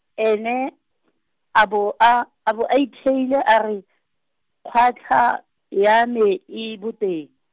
ene , a bo a, a bo a itheile a re, kgwatlha, ya me e bote.